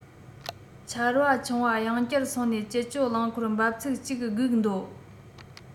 ཆར པ ཆུང བ ཡང བསྐྱར སོང ནས སྤྱི སྤྱོད རླངས འཁོར འབབ ཚུགས གཅིག སྒུག འདོད